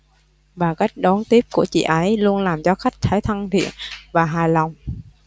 và cách đón tiếp của chị ấy luôn làm cho khách thấy thân thiện và hài lòng